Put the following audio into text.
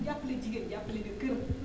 ku jàppale jigéen jàppale nga kër